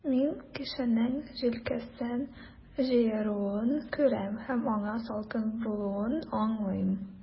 Мин кешенең җилкәсен җыеруын күрәм, һәм аңа салкын булуын аңлыйм.